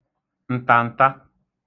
ǹtàǹta